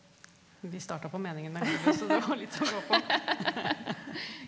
vi starta på meningen med livet så du har litt å gå på .